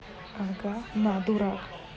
ага на дурак